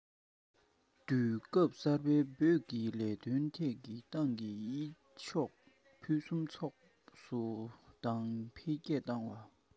ལམ ངན བཏོད ནས འཛམ གླིང འཕུང ལ སྦྱོར